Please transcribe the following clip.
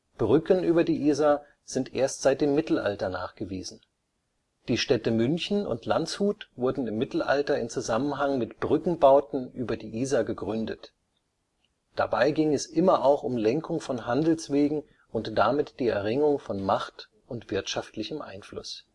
Brücken über die Isar sind erst seit dem Mittelalter nachgewiesen. Die Städte München und Landshut wurden im Mittelalter im Zusammenhang mit Brückenbauten über die Isar gegründet, dabei ging es immer auch um Lenkung von Handelswegen und damit die Erringung von Macht und wirtschaftlichem Einfluss